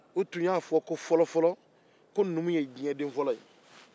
u tun y'a fɔ ko numu ye diɲɛ den fɔlɔ ye